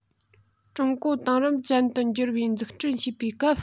ཀྲུང གོ དེང རབས ཅན དུ འགྱུར བའི འཛུགས སྐྲུན བྱེད པའི སྐབས